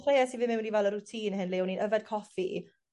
Lle es i fyn' mewn i fel y routine hyn le o'n i'n yfed coffi